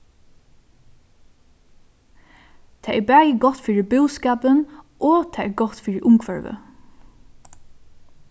tað er bæði gott fyri búskapin og tað er gott fyri umhvørvið